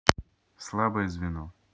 слабое звено